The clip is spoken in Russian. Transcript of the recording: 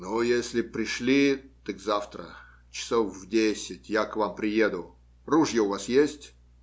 - Ну, если пришли, так завтра, часов в десять, я к вам приеду. Ружья у вас есть?